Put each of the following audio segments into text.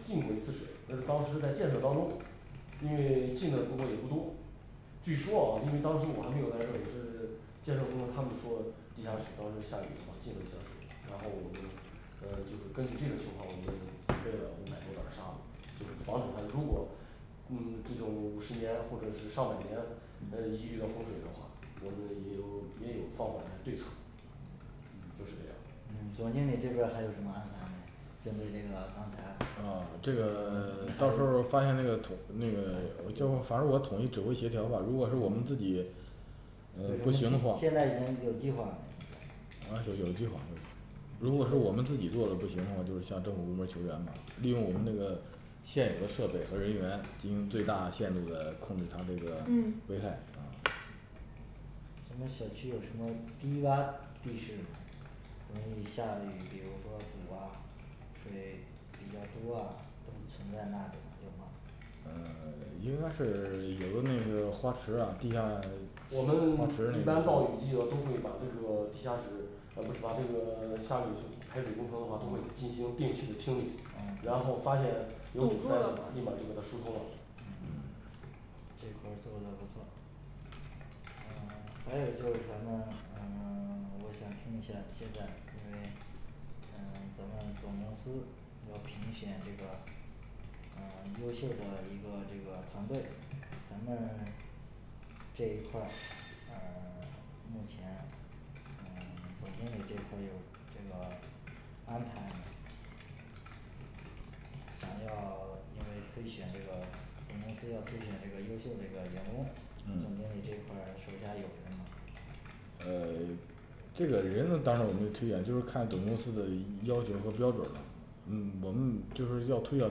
进过一次水，那是当时在建设当中因为进来时候也不多据说因为当时我还没有在这里是建设工程他们说地下室当时下雨进了一下水，然后我们呃就是根据这个情况，我们准备了五百多袋沙子就是防止他如果嗯这种五十年或者是上百年一遇嗯洪水的话，我们也有也有方法和对策嗯就是这样嗯总经理这边儿还有什么安排针对这个刚才哦这个 到时候发现那个那个反正我统一指挥协调吧如果是我们自己呃不行的话现在已经有计划没按说有计划如果说我们自己做的不行的话，就是向政府部门儿求援嘛毕竟我们这个现有的设备和人员最嗯大的限制这个控制它这个嗯危害啊咱们小区有什么低洼地区吗容易下雨，或者堵啊，会比较多啊都存在那里有吗呃 应该是有的那个花池啊地下我花池们一那个般到雨堵季都会把这个地下室呃不是把这个 下水排水工程的话都会进行定期的清理然后发现堵有堵住塞了的立吗马就给它疏通了嗯嗯这块儿做的不错呃还有就是咱们呃 我想听一下儿就在因为嗯咱们总公司要评选这个呃优秀的一个这个团队咱们这一块儿呃 目前呃总经理这块儿有这个安排没想要因为推选这个总公司要推选这个优秀这个员工咱们的这块儿手下有人吗嗯呃 这个人当然我能推选就是看总公司的要求和标准嗯我们就是要推选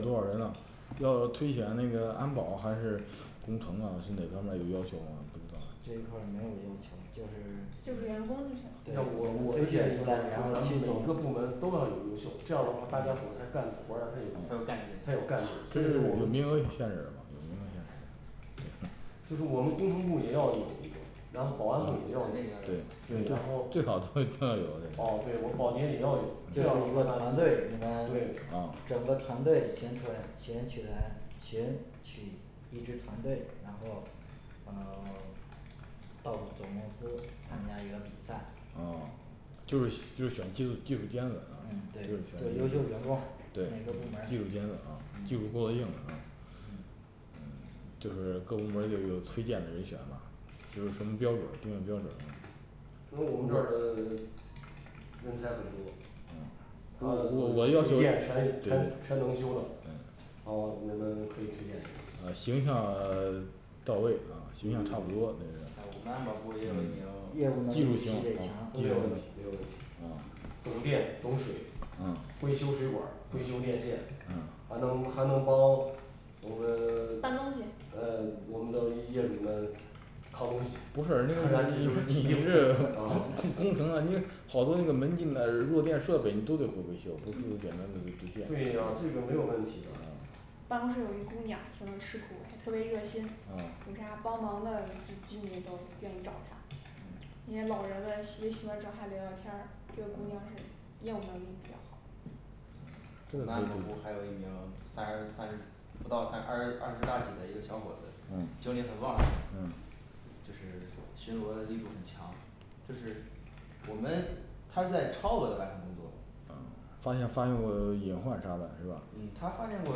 多少人啊要推选那个安保还是工程啊是哪方面有要求这个这一块儿没有要求就是就是员工就行那我我的建议就是说咱们每一个部门都要有优秀，这样的话大家伙儿才干活儿才有干劲才有干劲，所以说我们名额有限制吗就是我们工程部也要有一个，然后保安部也要那对，个最好都要有一然后哦个 对我们保洁也要有这样的话团对队啊那么整个团队选选取来选取一支团队然后呃 到总公司参加一个比赛哦就是许 就是选技术技术尖嗯子对对技选优秀员工优秀部门术尖子啊技术过硬嗯就是各部门儿就有推荐的人选吗就是什么标准儿定个标准儿啊因为我们这儿的人才很多他我们要就水电全全全能修的好，我们可以推荐一个呃形象呃 到位啊形象差不多这还有个我们安保部也有一名业务能力嗯没有问题必须得强没有问题噢懂电、懂水、嗯会修水管儿、会修电线，嗯还能还能帮我们 搬东西呃我们的业主们抗东西不是人家这完全都是体力活 啊工程啊你好多那个门禁的弱电设备你都得会维修，都得会简单的维修对啊这个没有问题的办公室有一姑娘挺能吃苦，特别热心，啊人家帮忙的居民都愿意找他嗯那些老人们喜也喜欢找他聊聊天，这个姑娘是业务能力比较好安保部还有一名三十三十不到三二十二十大几的一个小伙子嗯精力很旺盛嗯就是巡逻的力度很强就是我们他在超额的完成工作发现发现过隐患啥的是吧嗯他发现过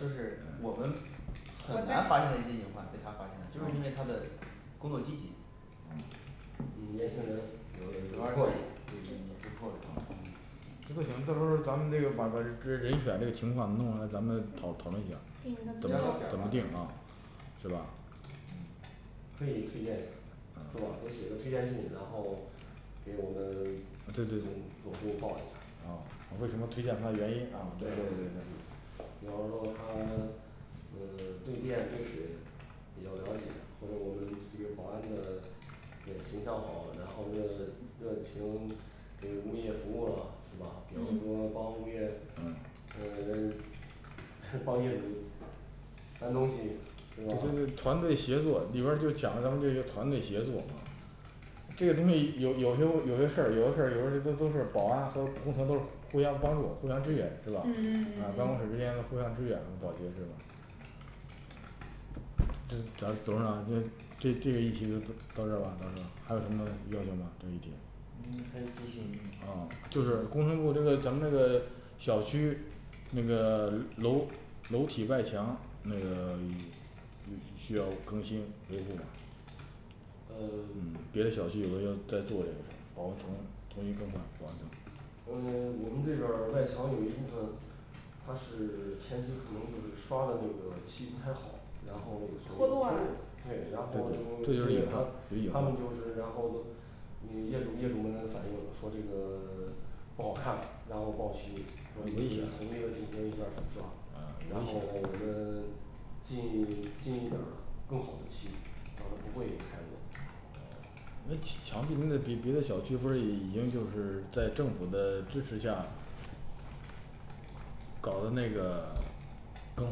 就是我们很难发现的一些隐患被他发现了，就是因为他的工作积极嗯这年轻人那就行到时候儿咱们这个把把这人选这个情况你弄来咱们讨讨论一下定个儿交个资料表儿吧就嗯可以推荐一下，是吧？ 都写个推荐信，然后给我们对总对对总部报一下儿哦为什么推荐他的原因啊对对对比方说他呃对电对水比较了解，或者我们保安的对形象好然后热热情给物业服务了是吧？比如嗯说帮物业嗯呃嗯这帮业主搬东西对就吧是这团队协作里边儿就讲到咱们这团队协作这个东西有有些有的事儿有的事儿有都都是保安和工程都互相帮助，互相支援是吧？办公室之间的互相支援保洁是吧这咱董事长这这这个议题就到这吧还有什么要问的吗这个议题你可以继续哦就是工程部就是咱们这个小区那个楼体楼外墙那个需要更新维护吗呃别的小区有没有在做这个保温层统一更换保温层呃 我们这边儿外墙有一部分它是前期可能就是刷的那个漆不太好然后属于脱脱落落啦对然后这个因为他他们就是然后都呃业业主们反映说这个不好看，然后报修我们统一的进行一下儿粉刷嗯然后我们 进进一点更好的漆让它不会开落那墙墙壁那别别的小区不是已经就是在政府的支持下搞了那个更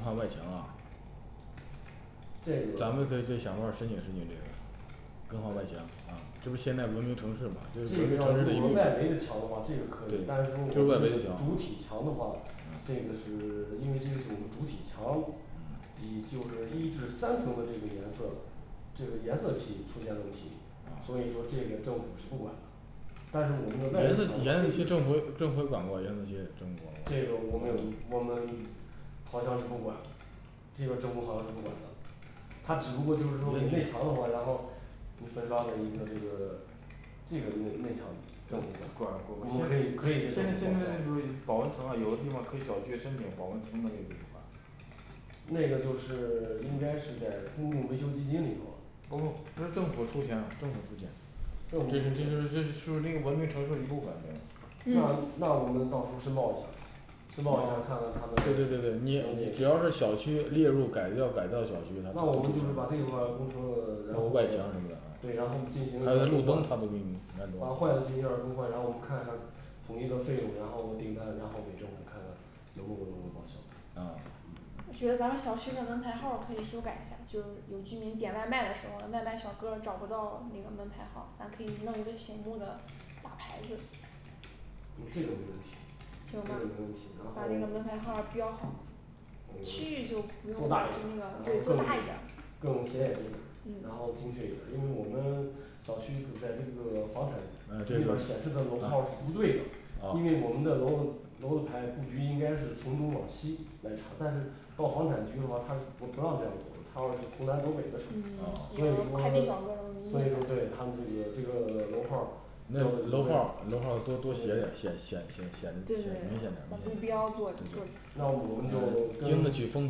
换外墙啊这咱们个得得想法儿申请申请这个更换外墙啊就是现在不是文明城市吗这个如果外围的墙的话这个可以但是说就是我外围的墙们主体嗯墙的话这个是因为这个是我们主体墙底就是一至三层这个颜色这个颜色漆出现问题，所以说这个政府是不管但是我们的外颜色围漆颜色漆墙政府这也政府也管过颜色漆政府这个管过我们我们好像是不管。这个政府好像是不管的。他只不过就是说你内墙的话然后就粉刷了一个这个这个的内内墙政府我们可以可以跟现政现府在就是报销保温层了有的地方可以小区申请保温层的那那块儿那个就是应该是在公共维修基金里头不不是政府出钱，政府出钱政府出这是不钱是那个文明城市不管那个那嗯那我们到时候申报一下申报一下看看他对们，对对你你只要是小区列入改造 改造小区它都那都我们就行是啊把这一块儿工程包然括后外墙什么对，的然后我们进啊行一下更换，把坏的进行一下更换，然后我们看看统一的费用，然后订单然后给政府看看能不能给报销啊嗯我觉得咱们小区的门牌号儿可以修改一下就有居民点外卖的时候外卖小哥儿找不到那个门牌号儿咱可以弄一个醒目的大牌子嗯这个没问题。这行个没吧问题然把这个后门牌号儿标好区域就不用做大那一个点儿对更然后更大一点儿更显眼一点儿然嗯后精确一点儿因为我们小区可能在房产局里面显示的楼号是不对的因啊为我们的楼楼排布局应该是从东往西来查，但是到房产局的话他是不不让这样走的，他要是从南到北的查嗯所以说哦有快递小哥儿所容以易说对他们迷路这个这个楼号儿楼号儿楼号儿都得显显显显挺对明对显对的那我们就嗯经得跟起风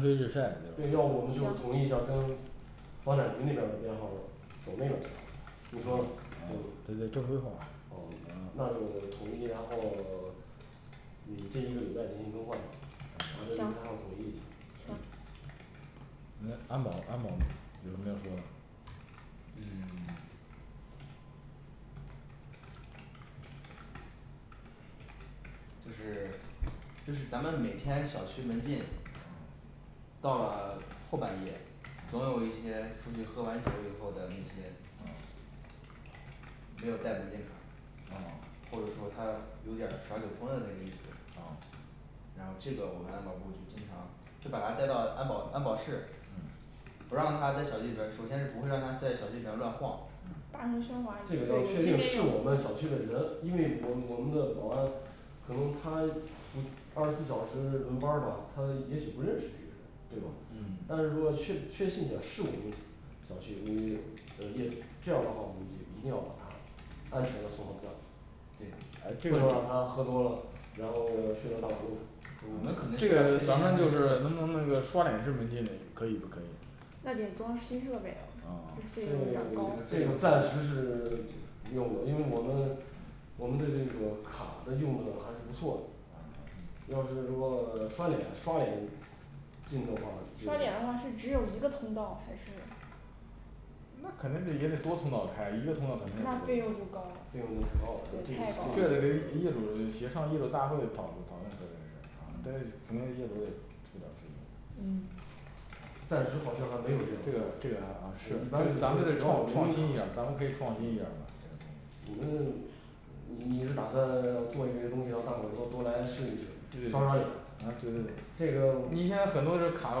吹日晒这样对那我们就统一一下儿跟房产局那边的编号哦那就统一然后嗯这一个礼拜进行更换，然后再跟行大家统一下嗯行我们安保安保有什么要说的嗯 就是就是咱们每天小区门禁到了后半夜总有一些出去喝完酒以后的那些嗯没有带门禁卡哦，或者说他有儿点耍酒疯的那个意思哦然后这个我们安保部就经常就把他带到安保安保室嗯不让他在小区里边，首先不会让他在小区里面乱晃大声喧哗这个确定是我们小区的人因为我我们的保安可能他不二十四小时轮班吧，他也许不认识这个人对吧？嗯但是说确确信下是我们小区物业呃业主，这样的话，我们就一定要把他安全的送回家对不能让他喝多了然后睡到大马路上我们可能是需要确定一下他的能身份不能那个刷脸式门禁可以不可以呢那得装新设备哦费用比较高这这个暂时是不用的，因为我们我们的这个卡的用的还是不错要是说刷脸刷脸进的话就刷脸的话是只有一个通道还是那肯定是也得多通道开一个通道肯定不那费用行就高了费用就太高了嗯这个这给这个业主协商业主大会讨论讨论这问题业主嗯暂时好像还没有这个，这个这个啊一般只要只要我们用是就是咱们得创创新心一下儿，咱们可以创新一下儿嘛这个东西嗯 你你是打算做一些东西，让大伙儿多多来试一试，对刷刷脸可能是这个一天很多人卡都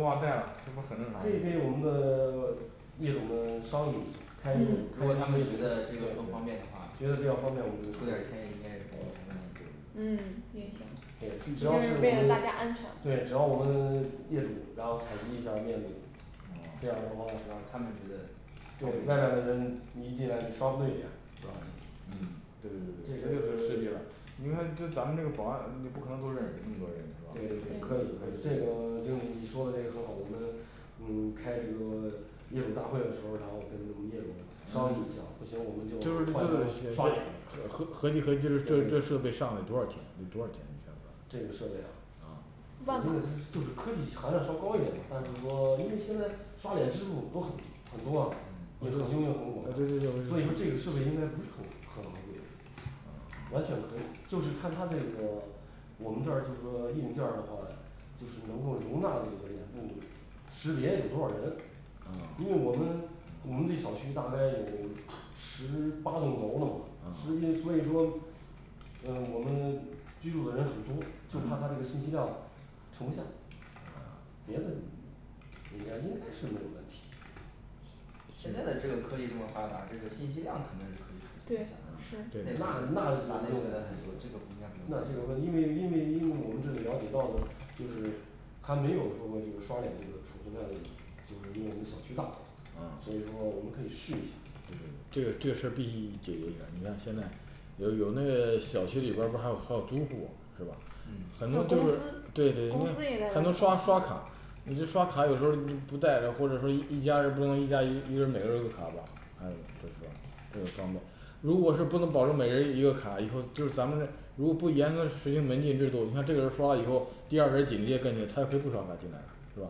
忘带了这不很正常可以给我们的业主们商议一下儿开会嗯如果他们觉得这个更方便的话觉得这样方便我们就出点儿钱噢应该也没有什么问题嗯也行对只这要是是我为了们大家安全对吗只要我们 业主然后采集一下面部这样的话然后他们觉得对外面的人你一进来就刷不对脸是吧嗯对对这对对个是这样 你看就咱们这个保安你不可能都认识那么多人是吧对对可以可以这个经理你说的这个很好我们嗯开这个 业主大会的时候儿然后跟他们业主商议一下儿不行我们就就是合换成刷脸的合合计合计就是这对个设备上得多少钱得多少钱啊这个设备啊因为一它万吧是就是科技含量稍高一点，但是说因为现在因为它是就是科技含量稍高一点，但是说因为现在刷脸支付都很很多啊，嗯也很应用很广，所以说这个设备应该不是很很昂贵完全可以就是看它这个我们这儿就是说硬件儿的话就是能够容纳的这个脸部识别有多少人，哦因为我们我们这小区大概有十八栋楼呢，嗯实际所以说呃我们居住的人很多，就怕它做这嗯个信息量盛不下别的你应该应该是没有问题现在的这个科技这么发达这个信息量肯定是可以承受下来对是这个储存那量比较那那大这个因为因为因为我们这里了解到的就是还没有就是说这个刷脸这个说实在的就是没有我们小区大哦所以说我们可以试一下噢这个这个事儿必须解决一下你看现在有有那个小区里边儿不是还有还有租户儿是吧嗯还很有多就公是司对对公司也在还能刷刷卡你这刷卡有时候不带了，或者说一一家人不能一家人一个人每个人一个卡吧还有就是说这不方便如果是不能保证每人一个卡以后，就是咱们这如果不严格实行门禁制度，那这个人刷完以后，第二个人紧接跟进去他就不会刷卡进来了是吧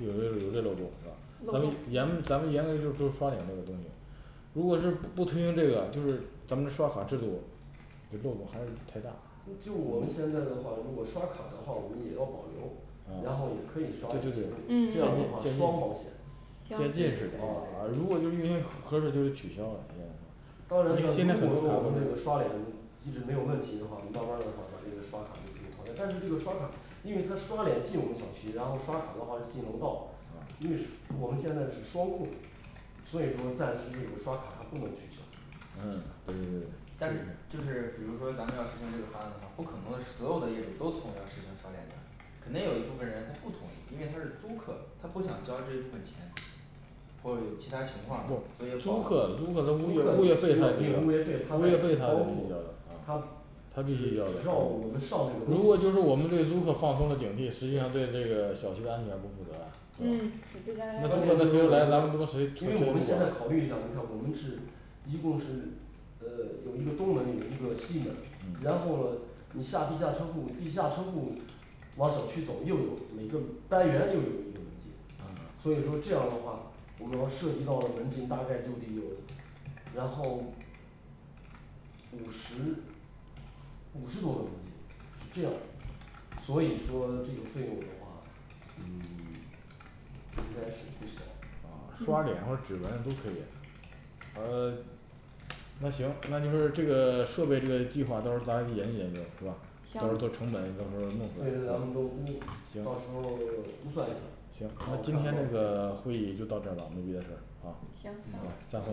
有时候有这个问题是吧咱们严们咱们严格就是说刷脸这个东西如果是不推行这个就是咱们的刷卡制度漏洞还是太大就我们现在的话如果刷卡的话我们也要保留然后也可以刷，这嗯样的话双保险对行对对噢如果就是运营合适就取消了当然要如果说我们这个刷脸机制没有问题的话，慢儿慢儿的话把这个刷卡就可以淘汰，但是这个刷卡因为他刷脸进我们小区，然后刷卡的话是进楼道，嗯因为我们现在是双控所以说暂时这个刷卡它不能取消呃这个但是就是比如说咱们要实行这个方案的话，不可能所有的业主都同意要实行刷脸的肯定有一部分人他不同意，因为他是租客，他不想交这部分钱或者有其他情况所以要租保客租客租客他因为物物业业费费他它也在里得交物业费他也得面交包括他只只要我们上那个如东果西就是我们对租客放松了警惕，实际上对这个小区的安全不负责任啊嗯是吧关键就是我们，因为我们现在考虑一下你看我们是一共是呃有一个东门有一个西门，然后你下地下车库下地下车库往小区走又有每个单元里有一个门禁所以说这样的话，我们要涉及到门禁大概就得有然后五十五十多个门禁是这样。所以说这个费用的话嗯 应该是不小刷嗯脸或者指纹都可以有呃 那行那你说是这个设备这个计划到时候咱研究研究是吧要多少行成本到时候弄出对对对咱们来都估到时候儿估算一下儿行然咱后今看天这看个会议就到这儿吧没别的事儿啊，嗯行散会